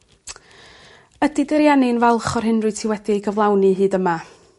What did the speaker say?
Ydi dy rieni yn falch o'r hyn rwyt ti wedi ei cyflawni hyd yma?